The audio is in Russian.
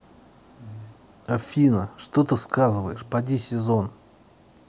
афина что ты сказываешь поди сезон